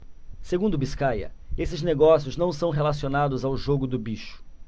segundo biscaia esses negócios não são relacionados ao jogo do bicho